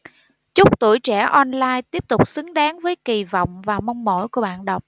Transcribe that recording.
chúc tuổi trẻ online tiếp tục xứng đáng với kỳ vọng và mong mỏi của bạn đọc